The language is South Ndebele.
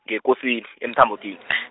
ngeKosini, eMthambothini .